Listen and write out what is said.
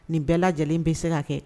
Nin bɛɛ la lajɛlen bɛ se ka kɛ